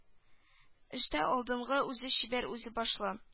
Эштә алдынгы үзе чибәр үзе башлы